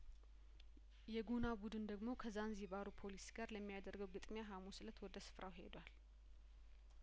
የጉና ቡድን ደግሞ ከዛንዚባሩ ፖሊስ ጋር ለሚያደርገው ግጥሚያ ሀሙስ እለት ወደ ስፍራው ሄዷል